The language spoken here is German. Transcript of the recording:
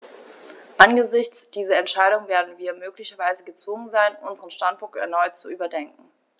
Angesichts dieser Entscheidung werden wir möglicherweise gezwungen sein, unseren Standpunkt erneut zu überdenken.